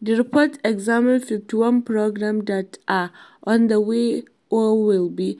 The report examines 51 programs that are underway or will be